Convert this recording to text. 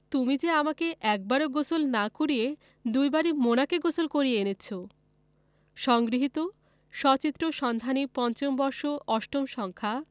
তুমি যে আমাকে একবারও গোসল না করিয়ে দুবারই মোনাকে গোসল করিয়ে এনেছো সংগৃহীত সচিত্র সন্ধানী৫ম বর্ষ ৮ম সংখ্যা